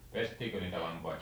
pestiinkö niitä lampaita